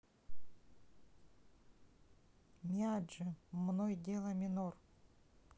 miyagi мной дело минор